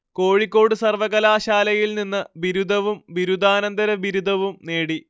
കോഴിക്കോട് സർവകലാശായിൽ നിന്ന് ബിരുദവും ബിരുദാനന്തര ബിരുദവും നേടി